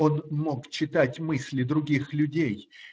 Он мог читать мысли других людей